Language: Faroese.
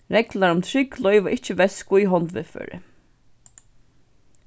reglurnar um trygd loyva ikki vesku í hondviðførið